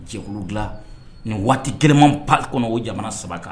Jɛkulu dilan nin waati kelenman pari kɔnɔ o jamana saba kan